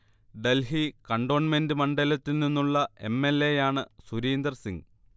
Delhi cantonment മണ്ഡലത്തിൽ നിന്നുള്ള M. L. A യാണ് സുരിന്ദർ സിങ്